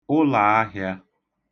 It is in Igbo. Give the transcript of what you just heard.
ụlàahị̄ā